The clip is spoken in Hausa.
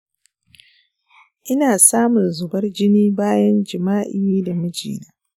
ina samun zubar jini bayan jima’i da mijina.